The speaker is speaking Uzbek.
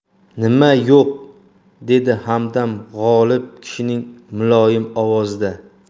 nima yo'q dedi hamdam g'olib kishining muloyim ovozida